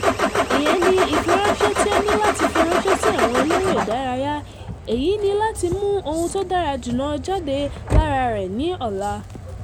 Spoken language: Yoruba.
Nísìnyí, o fi ẹnìkejì rẹ sẹ́hìn ó sì níláti lọ mọ́ bí ó sẹ máa mu ohun tó dára jù jáde lát ara rẹ̀, bákan náà."